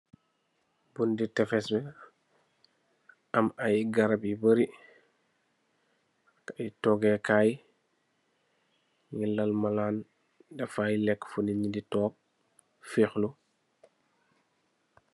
Butti tehfes bi am ayi garam yu bari, ayi toggehkay ni lane malan deffa ayi lek fo nit di fehluu.